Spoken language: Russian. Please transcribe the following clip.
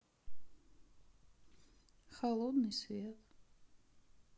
холодный свет